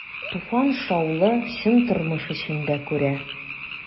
Туфан шаулы, чын тормыш эчендә күрә.